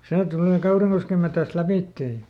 se tulee Kaurinkosken metsästä lävitse ja